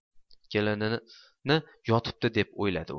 kelinini yotibdi deb o'yladi u